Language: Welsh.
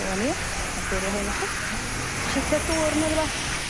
Dyma ni 'nai clirio rhein i chi. Iawn. 'Sach chi'n licio dŵr ne' rwbeth?